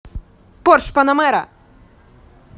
porsche panamera